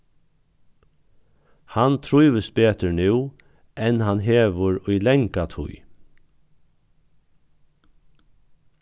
hann trívist betur nú enn hann hevur í langa tíð